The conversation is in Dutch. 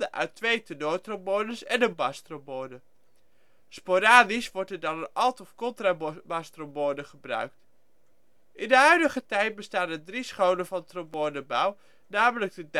uit twee tenortrombones en één bastrombone. Sporadisch wordt er dan een alt - of contrabastrombone gebruikt. In de huidige tijd bestaan er drie scholen van trombone bouw. Namelijk de